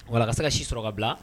Wala a ka se ka si sɔrɔ kabila